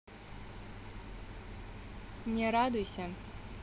не радуйся